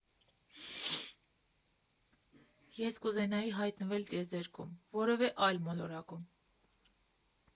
Ես կուզենայի հայտնվել տիեզերքում՝ որևէ այլ մոլորակում։